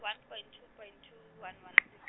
one point two point two one one six.